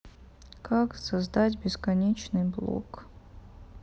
как создать бесконечный блок